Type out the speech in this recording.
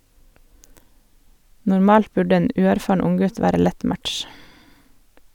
Normalt burde en uerfaren unggutt være lett match.